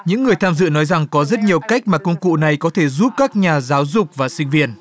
những người tham dự nói rằng có rất nhiều cách mà công cụ này có thể giúp các nhà giáo dục và sinh viên